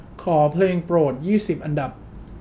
ขอเพลงโปรดยี่สิบอันดับ